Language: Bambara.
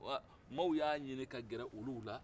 aah maaw y'a ɲini ka gɛrɛ olu la